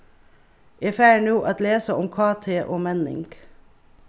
eg fari nú at lesa um kt og menning